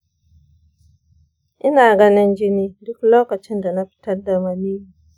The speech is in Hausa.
ina ganin jini duk lokacin da na fitar da maniyyi.